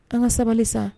An ka sabali sa.